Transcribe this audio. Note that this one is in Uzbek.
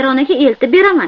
vayronaga eltib beraman